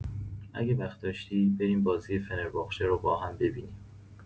اگه وقت داشتی، بریم بازی فنرباغچه رو با هم ببینیم.